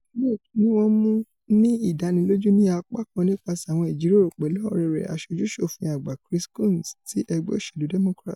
Flake ni wọ́n mú ní ìdánilójú ni apá kan nípaṣẹ́ àwọn ìjíròrò pẹ̀lú ọ̀rẹ́ rẹ̀ Aṣojú-ṣòfin Àgbà Chris Coons ti ẹgbẹ́ òṣèlú Democrats.